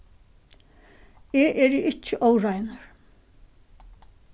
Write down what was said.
eg eri ikki óreinur